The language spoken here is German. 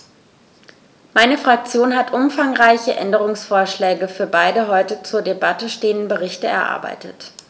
Meine Fraktion hat umfangreiche Änderungsvorschläge für beide heute zur Debatte stehenden Berichte erarbeitet.